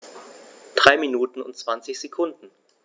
3 Minuten und 20 Sekunden